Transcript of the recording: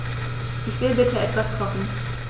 Ich will bitte etwas kochen.